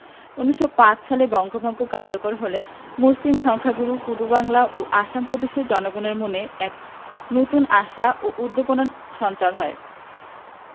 ১৯০৫ সালে বঙ্গভঙ্গ কার্যকর হলে মুসলিম সংখ্যাগুরু পূর্ববাংলা ও আসাম প্রদেশের জনগণের মনে এক নতুন আশা ও উদ্দীপনার সঞ্চার হয়